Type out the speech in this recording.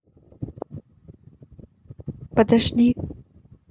подожди